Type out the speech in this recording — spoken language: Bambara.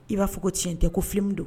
I b'a fɔ ko cɛn tiɲɛ tɛ ko filimu don